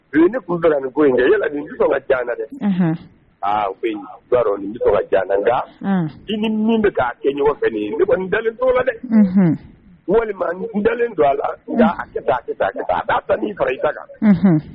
Ye ne kun kalan nin ko yala tɔgɔ dɛ i ni min bɛ taa kɛ ɲɔgɔn fɛ ye dalen to la dɛ walima dalen to a la ka taa ka ni fara ita kan